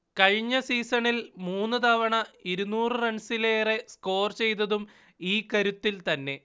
കഴിഞ്ഞ സീസണിൽ മൂന്നുതവണ ഇരുന്നൂറ് റൺസിലേറെ സ്കോർ ചെയ്തതും ഈ കരുത്തിൽത്തന്നെ